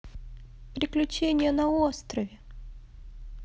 приключения на острове